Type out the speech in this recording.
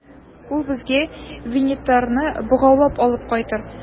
Ул безгә Винитарны богаулап алып кайтыр.